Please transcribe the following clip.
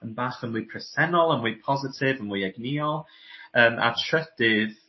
yn bach yn mwy presennol y mwy positif mwy egniol yym a trydydd